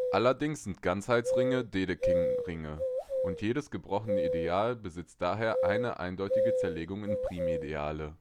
Allerdings sind Ganzheitsringe Dedekindringe und jedes gebrochene Ideal besitzt daher eine eindeutige Zerlegung in Primideale